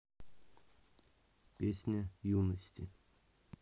песня юности